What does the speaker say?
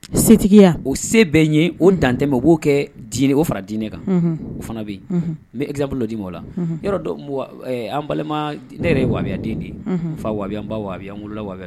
Setigiya o se bɛ ye o dantɛmɛn u b'o kɛ k'o fara dinɛ kan o fana bɛ yen, unhun, n bɛ exemple dɔ di i ma o la, yɔrɔ dɔw, an balima ne yɛrɛ ye wajibiya den de fa wahaya n ba wahabiya, n wolola wahabiya